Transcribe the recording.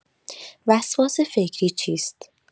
وسواس فکری چیست؟